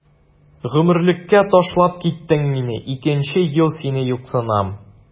Гомерлеккә ташлап киттең мине, икенче ел сине юксынам.